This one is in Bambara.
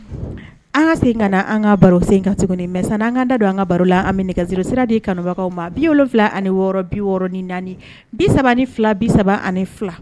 An ŋa segin kana an ŋa barosen in ka tuguni mais sani an ŋ'an da don an ŋa baro la an bɛ nɛgɛjurusira di kanubagaw ma 76 64 32 32